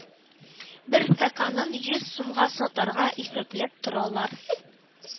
Бер стаканын йөз сумга сатарга исәпләп торалар.